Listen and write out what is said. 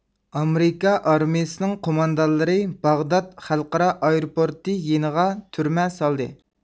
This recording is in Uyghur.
ئامېرىكا ئارمىيىسىنىڭ قوماندانلىرى باغداد خەلقئارا ئايروپورتى يېنىغا تۈرمە سالدى